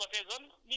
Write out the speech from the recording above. kon ci seetlu